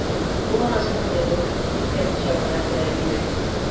Ул анасының ябык, кипкән кочагына керә биреп: